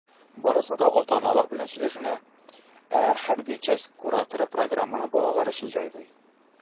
Барысы да ата-аналар белән сөйләшенә, һәм хәрби часть кураторы программаны балалар өчен җайлый.